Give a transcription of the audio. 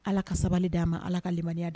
Ala ka sabali d'a ma ala kamani di